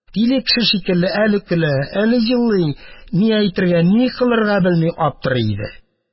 Тиле кеше шикелле әле көлә, әле елый, ни әйтергә, ни кылырга белми аптырый иде.